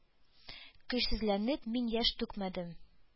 Көчсезләнеп, мин яшь түкмәдем.